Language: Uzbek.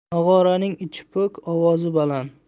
nog'oraning ichi po'k ovozi baland